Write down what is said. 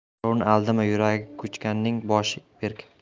birovni aldama yurgan ko'changning boshi berk